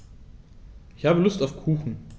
Ich habe Lust auf Kuchen.